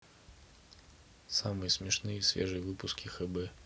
самые смешные и свежие выпуски хб